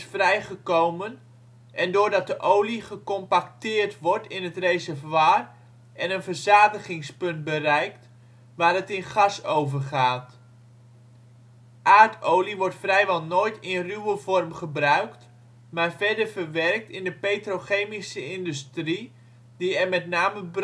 vrijgekomen en doordat de olie gecompacteerd wordt in het reservoir en een verzadigingspunt bereikt waar het in gas overgaat. Aardolie wordt vrijwel nooit in ruwe vorm gebruikt, maar verder verwerkt in de petrochemische industrie, die er met name brandstoffen